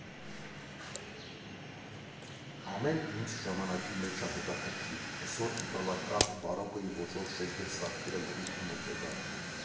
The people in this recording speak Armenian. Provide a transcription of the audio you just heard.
Ամեն ինչ իր ժամանակի մեջ ա հետաքրքիր, էսօր իտալական բարոկկոյի ոճով շենքեր սարքելը լրիվ անհեթեթ ա։